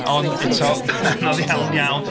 Ond eto mae'n anodd iawn iawn